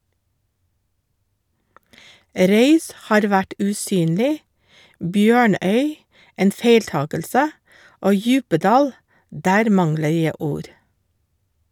Røys har vært usynlig, Bjørnøy en feiltakelse og Djupedal - der mangler jeg ord.